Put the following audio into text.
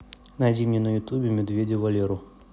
найди мне на ютубе медведя валеру